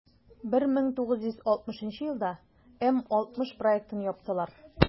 1960 елда м-60 проектын яптылар.